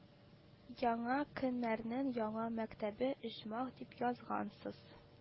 Яңа Кенәрнең яңа мәктәбе оҗмах дип язгансыз